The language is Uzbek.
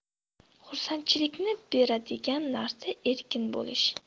xursandchilikni beradigan narsa erkin bo'lish